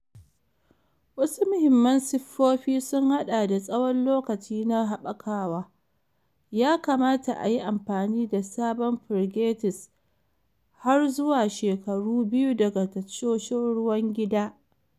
Wasu muhimman siffofi sun haɗa da tsawon lokaci na haɓakawa - ya kamata a yi amfani da sabon frigates har zuwa shekaru biyu daga tashoshin ruwan gida.